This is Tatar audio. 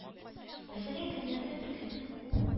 Мәсәлән, көннәрдән беркөнне ул